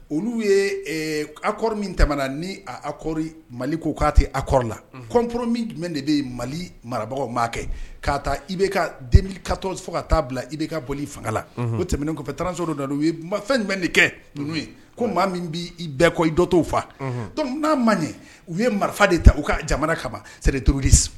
Olu ye akɔri min tɛm ni a kɔrɔɔri mali ko k'a tɛ a kɔrɔɔri la kɔnmporo min jumɛn de bɛ mali marabagaw ma kɛ k'a i bɛ ka den ka tɔn fɔ ka taa bila i bɛ ka boli i fanga la o tɛmɛnen kɔfɛ tanranso dɔ da u fɛn jumɛn de kɛ ye ko maa min b bɛi bɛɛ kɔ i dɔ' faa n'a ma ɲɛ u ye marifa de ta u ka jamana kama seretourudisi